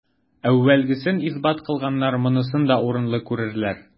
Әүвәлгесен исбат кылганнар монысын да урынлы күрерләр.